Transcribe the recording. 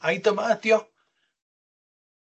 Ai dyma ydi o?